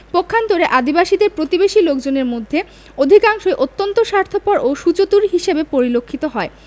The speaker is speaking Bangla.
পক্ষান্তরে আদিবাসীদের প্রতিবেশী লোকজনদের মধ্যে অধিকাংশই অত্যন্ত স্বার্থপর ও সুচতুর হিসেবে পরিলক্ষিত হয়